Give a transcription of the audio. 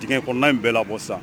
Denkɛ kɔnɔ n' in bɛɛ labɔ sa